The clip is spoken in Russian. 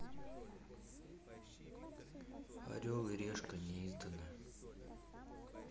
орел и решка неизданное